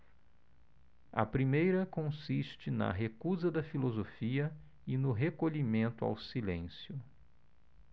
a primeira consiste na recusa da filosofia e no recolhimento ao silêncio